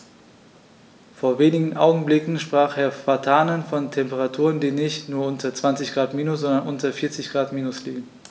Vor wenigen Augenblicken sprach Herr Vatanen von Temperaturen, die nicht nur unter 20 Grad minus, sondern unter 40 Grad minus liegen.